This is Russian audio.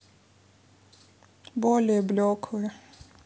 более блеклый